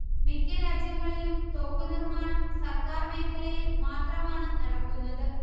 മിക്ക രാജ്യങ്ങളിലും തോക്കുനിർമ്മാണം സർക്കാർ മേഖലയിൽ മാത്രമാണ് നടക്കുന്നത്